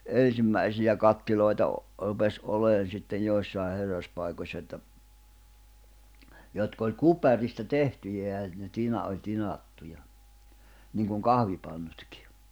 ensimmäisiä kattiloita - rupesi olemaan sitten joissakin herraspaikoissa että jotka oli kuparista tehtyjä ja ne - oli tinattuja niin kuin kahvipannutkin